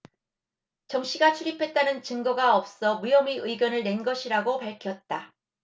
정씨가 출입했다는 증거가 없어 무혐의 의견을 낸 것이라고 밝혔다